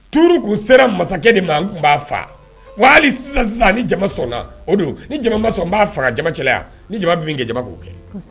Tuuru'u sera masakɛ de ma tun b'a faa wa sisan sisan ni jama o don ni jama sɔn b'a faga jama cɛlaya ni jama min kɛ jama k'u kɛ